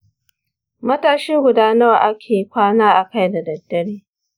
matashi guda nawa kake kwana a kai da daddare?